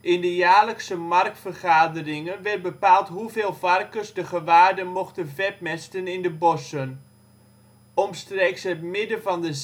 In de jaarlijkse markvergaderingen werd bepaald hoeveel varkens de gewaarden mochten vetmesten in de bossen. Omstreeks het midden van de